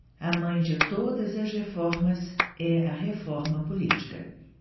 a mãe de todas as reformas é a reforma política